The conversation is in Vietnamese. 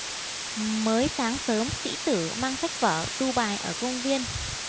mới sáng sớm sĩ tử mang sách vở tu bài ở công viên